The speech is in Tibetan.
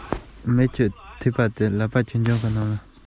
འཕྲུལ ཆས ཀྱིས ཞིང རྔ བཞིན གདོང ལ